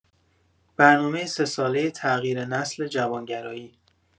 برنامه سه‌ساله تغییر نسل جوانگرایی